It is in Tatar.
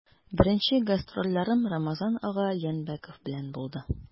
Беренче гастрольләрем Рамазан ага Янбәков белән булды.